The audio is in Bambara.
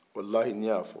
walahi ne y'a fɔ